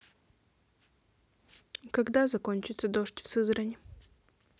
когда закончится дождь в сызрани